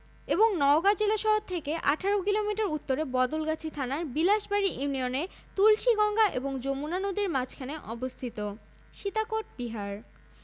বাৎসরিক জনসংখ্যা বৃদ্ধির হার ১দশমিক তিন নয় পুরুষ ও নারীর আনুপাতিক সংখ্যা ১০৪ অনুপাত ১০০ শহুরে জনসংখ্যা ৩৭দশমিক ৪ মিলিয়ন